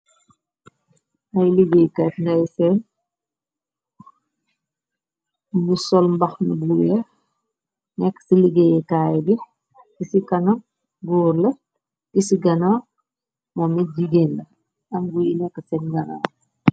Ay liggéeykaay nday feen, bu sol mbax na buweef, nekk ci liggéeykaay bi, di ci kana góor la, gi ci gana moo mit jigéen la, am guy nekk seen ganaw.